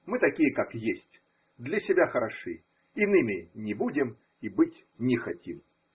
Мы такие, как есть, для себя хороши, иными не будем и быть не хотим.